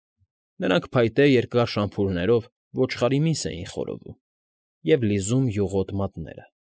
Նրանք փայտե երկար շամփուրներով ոչխարի միս էին խորովում և լիզում յուղոտ մատները։